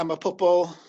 a ma' pobol